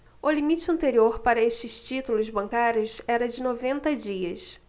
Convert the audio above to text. o limite anterior para estes títulos bancários era de noventa dias